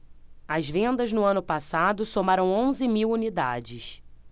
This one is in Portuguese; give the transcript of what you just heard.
as vendas no ano passado somaram onze mil unidades